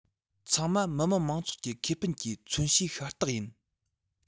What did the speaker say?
ཚང མ མི དམངས མང ཚོགས ཀྱི ཁེ ཕན གྱི མཚོན བྱེད ཤ སྟག ཡིན